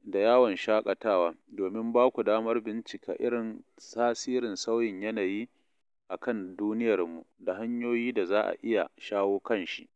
da yawon shaƙatawa, domin ba ku damar bincika irin tasirin sauyin yanayi akan duniyarmu da hanyoyin da za a iya shawo kan shi.